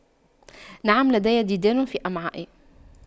نعم لدي ديدان في أمعائي